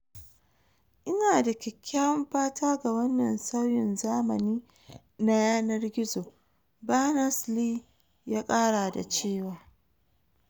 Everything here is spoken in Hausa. Ina da kyakyawan fata ga wannan sauyin zamani na yanar gizo, “berners -lee ya kara da cewa.